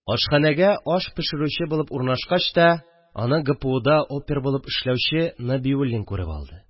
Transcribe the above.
Ашхәнәгә аш пешерүче булып урнашкач та, аны ГПУда опер булып эшләүче Нәбиуллин күреп алды